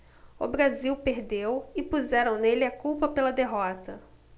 o brasil perdeu e puseram nele a culpa pela derrota